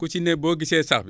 ku ci ne boo gisee sax bi